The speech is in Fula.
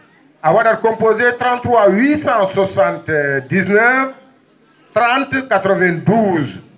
a wa?at composé 33 879 30 92